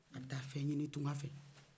a bɛ taa tungan fɛ